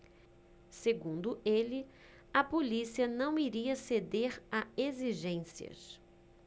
segundo ele a polícia não iria ceder a exigências